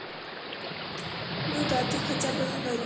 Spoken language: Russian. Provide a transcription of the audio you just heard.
ну да ты хотя бы говоришь